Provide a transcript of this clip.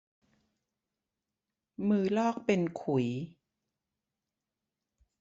มือลอกเป็นขุย